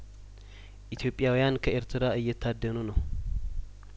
ኢትዮጵያውያን ከኤርትራ እየታደኑ ነው